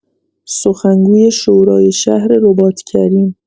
سخنگوی شورای شهر رباط‌کریم